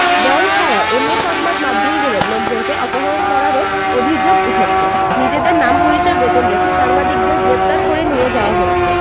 ডন ছাড়াও অন্য সংবাদ মাধ্যমগুলোর লোকজনকে অপহরণ করারও অভিযোগ উঠেছে নিজেদের নাম পরিচয় গোপন রেখে সাংবাদিকদের গ্রেপ্তার করে নিয়ে যাওয়া হচ্ছে